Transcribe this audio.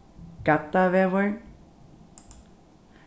gaddavegur